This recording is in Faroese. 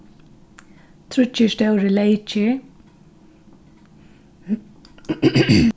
tríggir stórir leykir